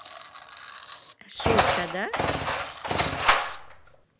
шутка да